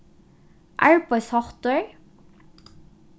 arbeiðsháttur